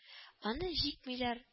Аны җикмиләр